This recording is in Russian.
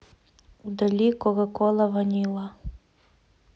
удали кока кола ванила